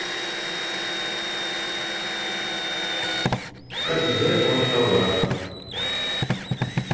Кадерле арчалылар!